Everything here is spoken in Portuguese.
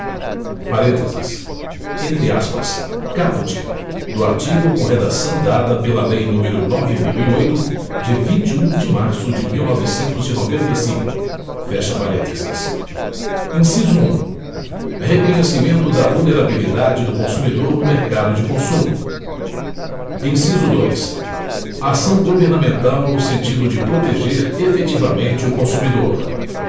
parênteses entre aspas caput do artigo com redação dada pela lei número nove mil e oito de vinte e um de março de mil novecentos e noventa e cinco fecha parênteses inciso um reconhecimento da vulnerabilidade do consumidor no mercado de consumo inciso dois ação governamental no sentido de proteger efetivamente o consumidor